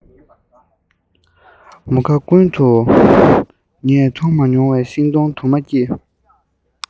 མུ ཁ ཀུན ཏུ ངས མཐོང མ མྱོང བའི ཤིང སྡོང དུ མ སྐྱེས